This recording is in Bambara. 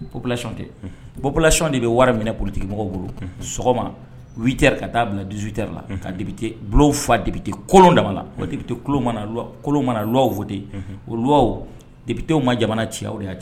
Population tɛ unhun population de be wɔri minɛ politique mɔgɔw bolo unhun sɔgɔma 8 heures ka taa bila 18 heures la unhun ka députe blon fa députe kolon dama na o députe klo mana loi kolon mana loi u voter unhun o loi u députe u ma jamana ci aw se y'a